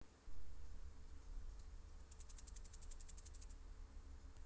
как подключиться к телевизору через телефон